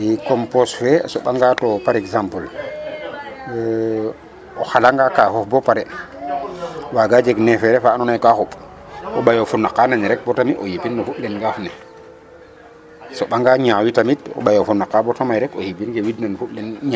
II compos fe a soɓanga par exenple o xalangaa kaafof bo pare waaga jeg nefere fa andoona yee ka xuɓ o ɓayof o naqaa nene rek bata may o yip no fuɗ le ngaaf ne a soɓanga ñaawit tamit o ɓayof o naqaa bata may rek o yipin no fuɗ len ñaaw na.